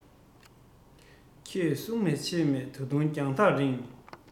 ཁྱེད གསུང ལས མཆེད པའི ད དུང རྒྱང ཐག རིང